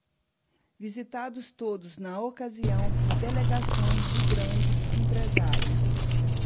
visitados todos na ocasião por delegações de grandes empresários